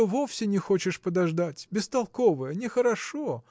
то вовсе не хочешь подождать – бестолковая! нехорошо!